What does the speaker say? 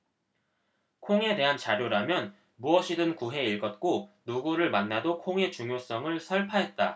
콩에 대한 자료라면 무엇이든 구해 읽었고 누구를 만나도 콩의 중요성을 설파했다